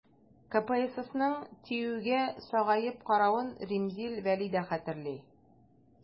КПССның ТИҮгә сагаеп каравын Римзил Вәли дә хәтерли.